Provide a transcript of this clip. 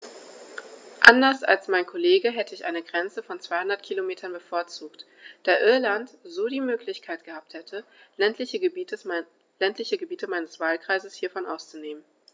Anders als mein Kollege hätte ich eine Grenze von 200 km bevorzugt, da Irland so die Möglichkeit gehabt hätte, ländliche Gebiete meines Wahlkreises hiervon auszunehmen.